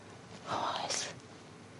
O oes.